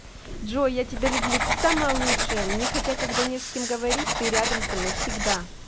джой я тебя люблю ты самая лучшая мне хотя когда не с кем говорить ты рядом со мной всегда